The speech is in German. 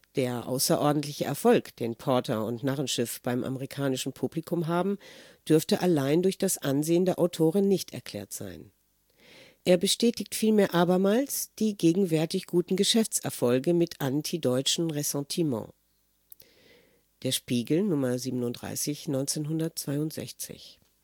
Der außerordentliche Erfolg, den Porter und Narrenschiff beim amerikanischen Publikum haben, dürfte allein durch das Ansehen der Autorin nicht erklärt sein. Er bestätigt vielmehr abermals die gegenwärtig guten Geschäftserfolge mit antideutschen Ressentiment. " (Der Spiegel, 37/1962) " Völlig